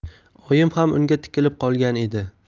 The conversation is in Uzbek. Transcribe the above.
oyim ham unga tikilib qolgan edi